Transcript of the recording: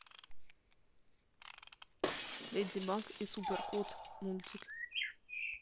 леди баг и супер кот мультик